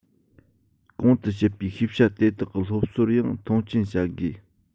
གོང དུ བཤད པའི ཤེས བྱ དེ དག གི སློབ གསོར ཡང མཐོང ཆེན བྱ དགོས